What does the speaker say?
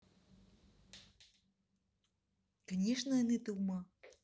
конечно анеты ума